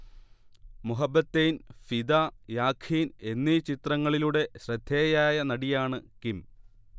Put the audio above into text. മൊഹബത്തെയ്ൻ, ഫിദ, യാഖീൻ എന്നീ ചിത്രങ്ങളിലൂടെ ശ്രദ്ധേയയായ നടിയാണ് കിം